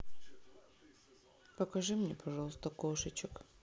покажи мне пожалуйста кошечек